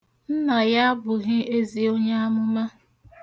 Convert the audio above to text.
Nna ya abụghị ezi onyeamụma.